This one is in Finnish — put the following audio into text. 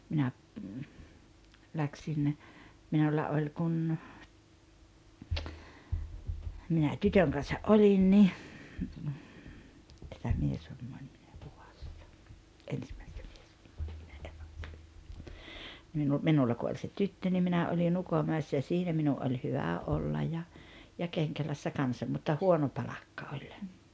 minä lähdin minulla oli kun minä tytön kanssa olin niin minulla kun oli se tyttö niin minä olin Ukonmäessä ja ja siinä minun oli hyvä olla ja ja Kenkälässä kanssa mutta huono palkka oli